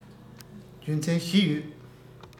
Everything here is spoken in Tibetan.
རྒྱུ མཚན བཞི ཡོད